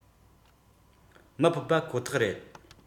མི ཕོད པ ཁོ ཐག རེད